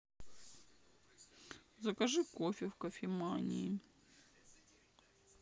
закажи кофе в кофемании